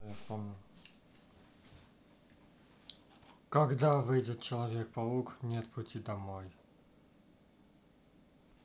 когда выйдет человек паук нет пути домой